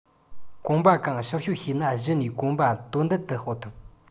གོམ པ གང ཕྱིར བཤོལ བྱས ན གཞི ནས གོམ པ དོ མདུན དུ སྤོ ཐུབ